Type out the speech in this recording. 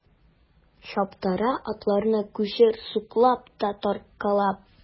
Чаптыра атларны кучер суккалап та тарткалап.